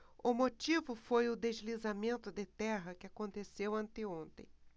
o motivo foi o deslizamento de terra que aconteceu anteontem